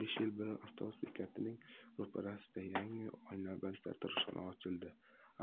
besh yil burun avtobus bekatining ro'parasida yangi oynaband sartaroshxona ochildi